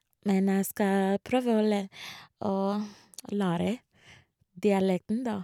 Men jeg skal prøve å læ å å lære dialekten, da.